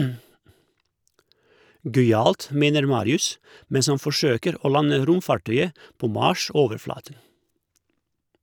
- Gøyalt, mener Marius, mens han forsøker å lande romfartøyet på Mars-overflaten.